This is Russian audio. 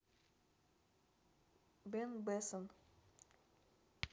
бен бэсэн